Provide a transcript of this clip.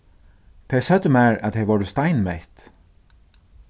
tey søgdu mær at tey vóru steinmett